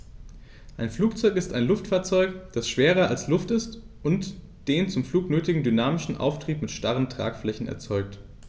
Ein Flugzeug ist ein Luftfahrzeug, das schwerer als Luft ist und den zum Flug nötigen dynamischen Auftrieb mit starren Tragflächen erzeugt.